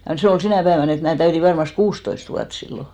ja se oli sinä päivänä että minä täytin varmasti kuusitoista vuotta silloin